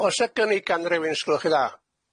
O'sa gynig gan rywun sglywch chi dda?